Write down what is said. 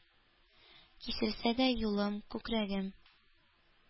Киселсә дә юлым; күкрәгем